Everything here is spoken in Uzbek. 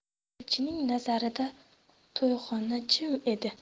elchinning nazarida to'yxona jim edi